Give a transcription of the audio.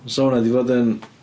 'Sa hwnna 'di bod yn...